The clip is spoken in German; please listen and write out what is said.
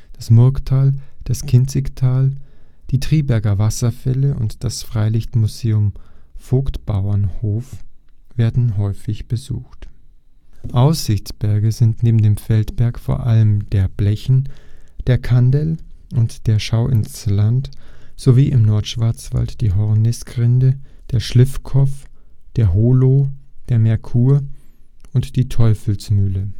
Das Murgtal, das Kinzigtal, die Triberger Wasserfälle und das Freilichtmuseum Vogtsbauernhof werden häufig besucht. Aussichtsberge sind neben dem Feldberg vor allem der Belchen, der Kandel und der Schauinsland sowie im Nordschwarzwald die Hornisgrinde, der Schliffkopf, der Hohloh, der Merkur und die Teufelsmühle